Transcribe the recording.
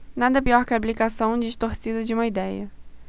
nada pior que a aplicação distorcida de uma idéia